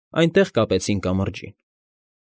Այնտեղ կապեցին կամրջին։